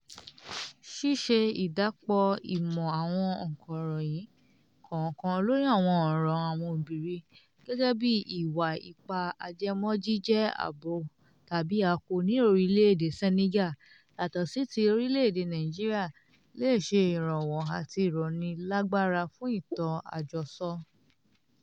Ṣíṣe ìdàpọ̀ ìmọ̀ àwọn ọ̀ǹkọ̀ròyìn kọ̀ọ̀kan lórí àwọn ọ̀ràn àwọn obìnrin - gẹ́gẹ́ bíi ìwà ipá ajẹmọ́ jíjẹ́ abo tàbí akọ ní orílẹ̀ èdè Senegal yàtọ̀ sí ti orílẹ̀ èdè Nàìjíríà - le se ìrànwọ́ àti ìrónílágbára fún ìtàn àjọsọ.